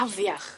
Afiach.